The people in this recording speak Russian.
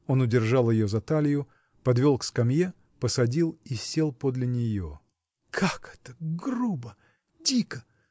Он удержал ее за талию, подвел к скамье, посадил и сел подле нее. — Как это грубо, дико!